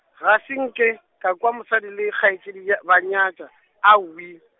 ga se nke, ka kwa mosadi le kgaetšedi ye ba nyatša, aowii.